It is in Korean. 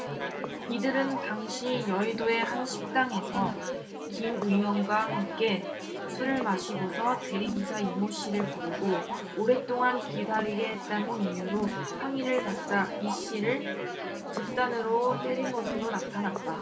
이들은 당시 여의도의 한 식당에서 김 의원과 함께 술을 마시고서 대리기사 이모씨를 부르고 오랫동안 기다리게 했다는 이유로 항의를 받자 이씨를 집단으로 때린 것으로 나타났다